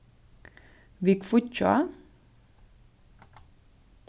við kvíggjá